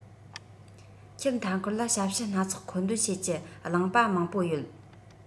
ཁྱེད མཐའ འཁོར ལ ཞབས ཞུ སྣ ཚོགས མཁོ འདོན བྱེད ཀྱི བླངས པ མང པོ ཡོད